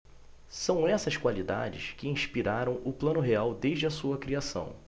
são essas qualidades que inspiraram o plano real desde a sua criação